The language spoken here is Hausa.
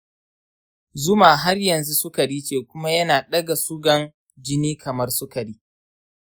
zuma har yanzu sukari ce kuma yana ɗaga sugan jini kamar sukari.